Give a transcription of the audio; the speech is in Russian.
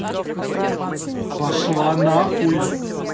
пошла на хуй